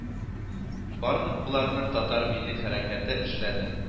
Барлык боларны татар милли хәрәкәте эшләде